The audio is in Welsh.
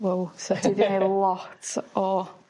Wow. So ti 'di neu' lot o